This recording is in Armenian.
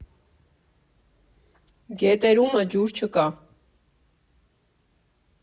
Գետերումը ջուր չկա։